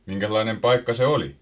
minkäslainen paikka se oli